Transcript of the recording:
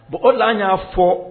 Bon o la y'a fɔ